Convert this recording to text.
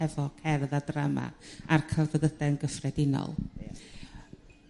hefo cerdd a drama a'r celfyddyde'n gyffredinol. .